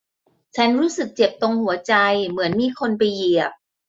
ฉันรู้สึกเจ็บตรงหัวใจเหมือนมีคนไปเหยียบ